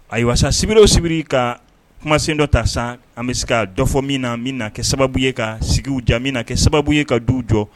Ayiwa wa sibiriw sibiri ka kumasen dɔ ta san an bɛ se ka dɔ fɔ min na min na kɛ sababu ye ka sigiw janmina na kɛ sababu ye ka du jɔ